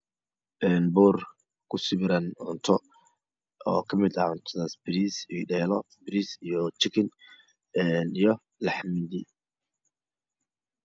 Poor ku sawiran cunto cutadaas oo kamid ah pariis iyo dheylo pariis iyo jikin iyo laxmidi